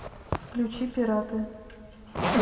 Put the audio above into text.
включи пираты